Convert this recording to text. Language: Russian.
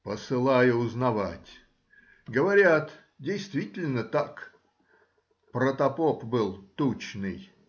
Посылаю узнавать; говорят: действительно так. Протопоп был тучный